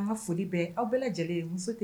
An ka foli aw bɛɛ lajɛlen muso